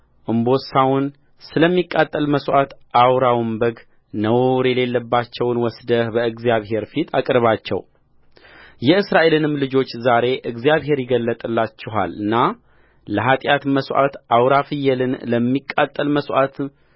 እምቦሳውን ስለሚቃጠልም መሥዋዕት አውራውን በግ ነውር የሌለባቸውን ወስደህ በእግዚአብሔር ፊት አቅርባቸው የእስራኤልንም ልጆች ዛሬ እግዚአብሔር ይገለጥላችኋልና ለኃጢአት መሥዋዕት አውራ ፍየልን ለሚቃጠልም መሥዋዕት